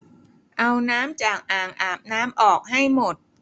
เอาน้ำจากอ่างอาบน้ำออกให้หมด